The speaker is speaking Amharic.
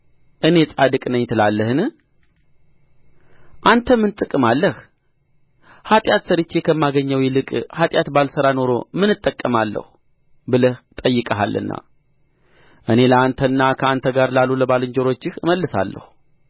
እኔ ጻድቅ ነኝ ትላለህን አንተ ምን ጥቅም አለህ ኃጢአት ሠርቼ ከማገኘው ይልቅ ኃጢአት ባልሠራ ኖሮ ምን እጠቀማለሁ ብለህ ጠይቀሃልና እኔ ለአንተና ከአንተ ጋር ላሉ ለባልንጀሮችህ እመልሳለሁ